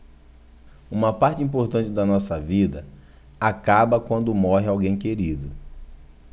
uma parte importante da nossa vida acaba quando morre alguém querido